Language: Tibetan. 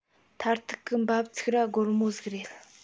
མཐར ཐུག གི འབབ ཚིགས ར སྒོར མོ ཟིག རེད